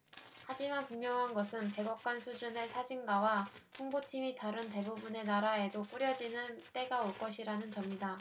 하지만 분명한 것은 백악관 수준의 사진가와 홍보팀이 다른 대부분의 나라에도 꾸려지는 때가 올 것이라는 점이다